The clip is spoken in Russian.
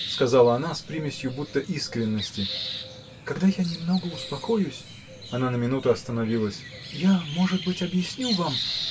— сказала она, с примесью будто искренности, — когда я немного успокоюсь. Она на минуту остановилась. — Я, может быть, объясню вам.